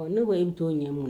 Ne ko e t'o ɲɛ